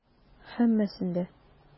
Һәммәсен дә.